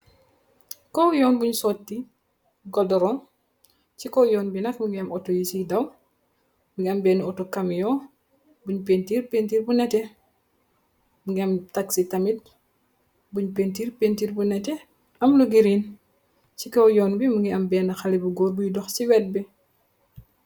kaw yon bunj soti goldoron ci kaw yon bi nak mungi am oto yusiy daw mingi am beneu oto comiyo bunj pentir pentir bu neteh mungi am taxi tamit bunj pentir pentir bu neteh am lu green ci kaw yoon bi mungi am bena khaleh bu goor buy daw ci wet bi